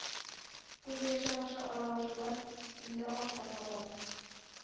Күз яше аша аралашулар инде артта калган.